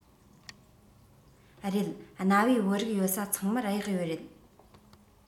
རེད གནའ བོའི བོད རིགས ཡོད ས ཚང མར གཡག ཡོད རེད